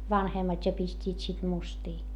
vanhemmat ja pistivät sitten mustia